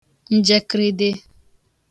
njekreede